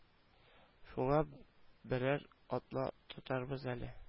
Шуңа берәр атна тотарбыз әле